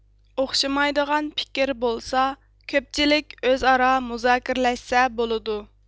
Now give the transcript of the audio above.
ئوخشاشمايدىغان پىكىر بولسا كۆپچىلىك ئۆزئارا مۇزاكىرىلەشسە بولىدۇ